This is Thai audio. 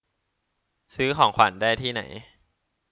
ซื้อของขวัญได้ที่ไหน